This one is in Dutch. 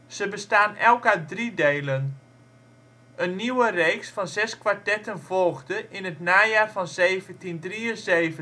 Ze bestaan elk uit drie delen. Een nieuwe reeks van zes kwartetten volgde in het najaar van 1773